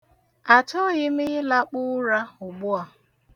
Achọghị m ịlakpu ụra ugbu a.